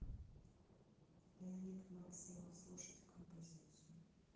леонид максимов слушать композицию